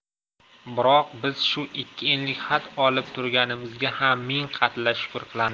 biroq biz shu ikki enlik xat olib turganimizga ham ming qatla shukr qilamiz